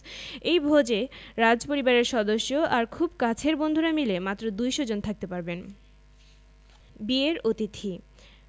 এই ভোজে রাজপরিবারের সদস্য আর খুব কাছের বন্ধুরা মিলে মাত্র ২০০ জন থাকতে পারবেন বিয়ের অতিথি